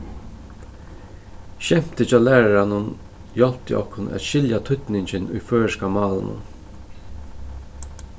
skemtið hjá læraranum hjálpti okkum at skilja týdningin í føroyska málinum